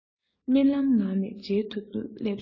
རྨི ལམ ངང ནས མཇལ དུས སླེབས སོང